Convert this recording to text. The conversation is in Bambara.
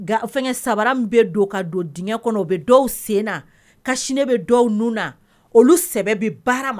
Nka, fɛngɛ samara min bɛ don ka don dingɛ kɔnɔ o bɛ dɔw sen na, cache-nez bɛ dɔw nun na, olu sɛbɛ bɛ baara